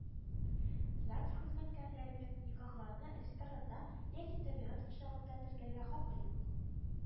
ЗАГС хезмәткәрләренең никахларны ресторанда яки табигать кочагында теркәргә хакы юк